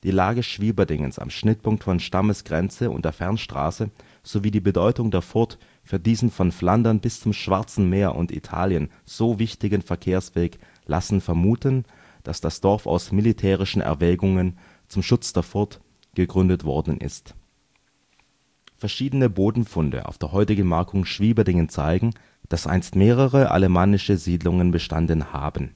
Lage Schwieberdingens am Schnittpunkt von Stammesgrenze und der Fernstraße, sowie die Bedeutung der Furt für diesen von Flandern bis zum Schwarzen Meer und Italien so wichtigen Verkehrsweg lassen vermuten, dass das Dorf aus militärischen Erwägungen - zum Schutz der Furt - gegründet worden ist. Verschiedene Bodenfunde auf der heutigen Markung Schwieberdingens zeigen, dass einst mehrere alemannische Siedlungen bestanden haben